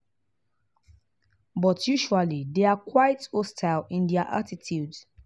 But usually they are quite hostile in their attitudes.